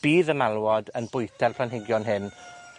bydd y malwod yn bwyta'r planhigion hyn.